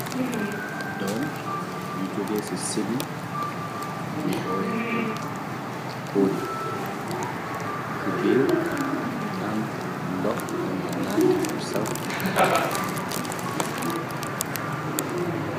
Dom yu jógee ci sibi yuñu oe cooni ci biir am ndox buñenaan bu saf.